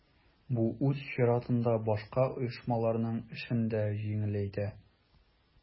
Бу үз чиратында башка оешмаларның эшен дә җиңеләйтә.